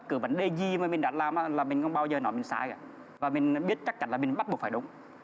cứ vấn đề gì mà mình đã làm á là mình không bao giờ nói mình sai cả và mình biết chắc chắn là mình bắt buộc phải đúng